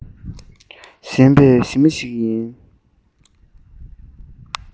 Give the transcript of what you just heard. ཞེན པའི ཞི མི ཞིག ཡིན